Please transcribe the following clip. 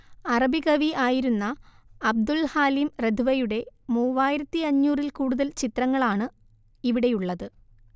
അറബികവി ആയിരുന്ന Abdul Halim റദ്വയുടെ മൂവായിരത്തിയഞ്ഞൂറിൽ കൂടുതൽ ചിത്രങ്ങളാണ് ഇവിടെയുള്ളത്